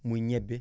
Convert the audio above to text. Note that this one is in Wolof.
muy ñebe